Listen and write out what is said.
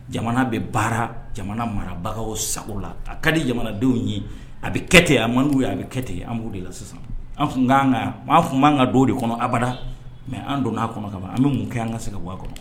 Jamana bɛ baara jamana marabagaw sago la, a ka di jamanadenw ye, a bɛ kɛ ten, a ma d'u ye, a bɛ kɛ ten, an b'o de la sisan, an tun man ka don, o de kɔnɔ abada mais an don'a kɔnɔ ka ban, an bɛ mun kɛ, an ka se ka bɔ a kɔnɔ?